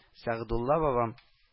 Сәгъдулла бабам